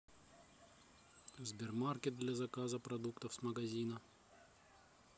сбермаркет для заказа продуктов с магазина